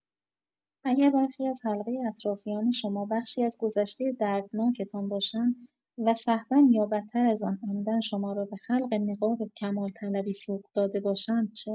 اگر برخی از حلقه اطرافیان شما بخشی از گذشته دردناکتان باشند و سهوا یا بدتر از آن، عمدا شما را به خلق نقاب کمال‌طلبی سوق داده باشند چه؟